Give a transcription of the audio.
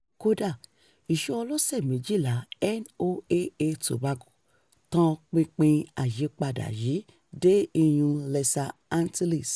Kódà, ìṣọ́ ọlọ́sẹ̀ méjìláa NOAA Tobago tan pinpin àyípadà yìí dé iyùn Lesser Antilles.